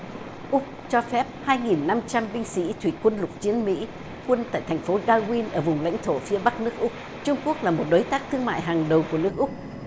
úc cho phép hai nghìn năm trăm binh sĩ thủy quân lục chiến mỹ quân tại thành phố đa guyn ở vùng lãnh thổ phía bắc nước úc trung quốc là một đối tác thương mại hàng đầu của nước úc